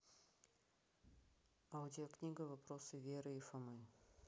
аудиокнига вопросы веры и фомы